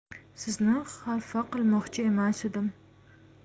sizni xafa qilmoqchi emas edim